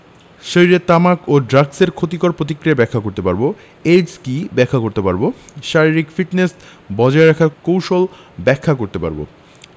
শরীরে তামাক ও ড্রাগসের ক্ষতিকর প্রতিক্রিয়া ব্যাখ্যা করতে পারব এইডস কী ব্যাখ্যা করতে পারব শারীরিক ফিটনেস বজায় রাখার কৌশল ব্যাখ্যা করতে পারব